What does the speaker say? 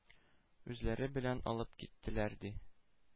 Үзләре белән алып киттеләр, ди,